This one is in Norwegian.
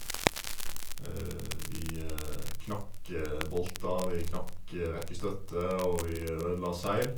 Vi knakk bolter, vi knakk rekkestøtter, og vi ødela seil.